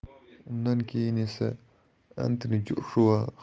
undan keyin esa entoni joshua